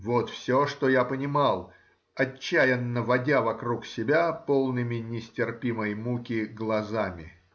— вот все, что я понимал, отчаянно водя вокруг себя полными нестерпимой муки глазами.